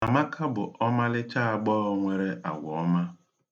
Amaka bụ ọmalicha agbọghọ nwere agwa ọma.